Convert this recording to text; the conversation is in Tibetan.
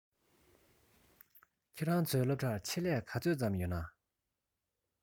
ཁྱོད རང ཚོའི སློབ གྲྭར ཆེད ལས ག ཚོད ཙམ ཡོད ན